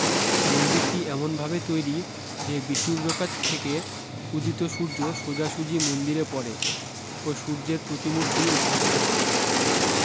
মন্দিরটি এমনভাবে তৈরী যে বিষুবরেখা থেকে উদিত সূর্য সোজাসুজি মন্দিরে পড়ে ও সূর্যের প্রতিমূর্তি উদ্ভাসিত করে